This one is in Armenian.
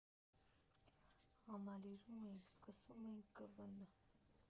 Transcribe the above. Համալիրում էինք սկսում ԿՎՆ֊ը։